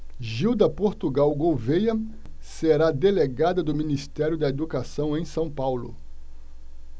gilda portugal gouvêa será delegada do ministério da educação em são paulo